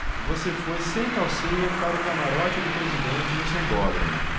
você foi sem calcinha para o camarote do presidente no sambódromo